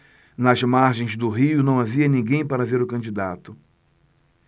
nas margens do rio não havia ninguém para ver o candidato